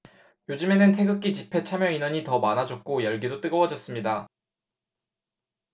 요즘에는 태극기 집회 참여인원이 더 많아졌고 열기도 뜨거워졌습니다